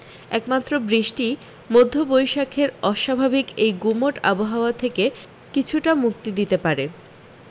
এক মাত্র বৃষ্টিই মধ্য বৈশাখের অস্বাভাবিক এই গুমোট আবহাওয়া থেকে কিছুটা মুক্তি দিতে পারে